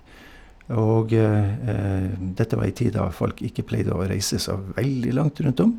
Og dette var ei tid da folk ikke pleide å reise så veldig langt rundt om.